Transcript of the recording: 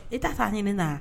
I ta fa ni ne na